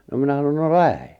no minä sanoin no lähde